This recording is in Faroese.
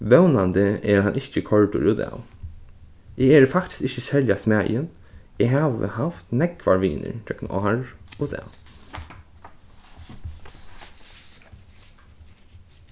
vónandi er hann ikki koyrdur útav eg eri faktiskt ikki serliga smæðin eg havi havt nógvar vinir gjøgnum ár og dag